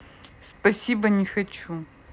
спасибо не хочу